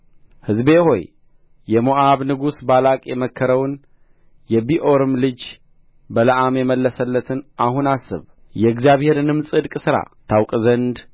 ሕዝቤ ሆይ የሞዓብ ንጉሥ ባላቅ የመከረውን የቢዖርም ልጅ በለዓም የመለሰለትን አሁን አስብ የእግዚአብሔርንም የጽድቅ ሥራ ታውቅ ዘንድ